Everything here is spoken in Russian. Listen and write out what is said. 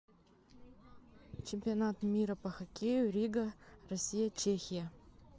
чемпионат мира по хоккею рига россия чехия